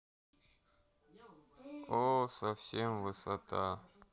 о совсем высота